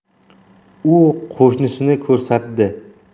u qo'shnisini ko'rsatdi